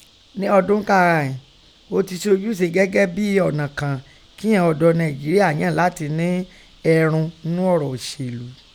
Nẹ́ ọdún ká a hà ìín, ọ́ ti se ojúṣe gẹ́gẹ́ bín ọ̀nà kàn kíghọn ọ̀dọ́ọ Nàìnjíeríà yàn láti ní ẹrun ńnú ọ̀rọ̀ òṣèlú.